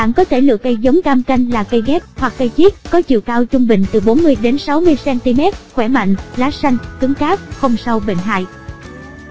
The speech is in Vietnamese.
bạn có thể lựa cây giống cam canh là cây ghép hoặc cây chiết có chiều cao trung bình từ cm khỏe mạnh lá xanh cứng cáp không sâu bệnh hại